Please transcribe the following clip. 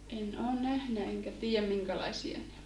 en olen nähnyt enkä tiedä minkälaisia ne on